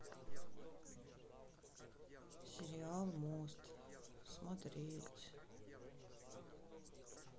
сериал мост смотреть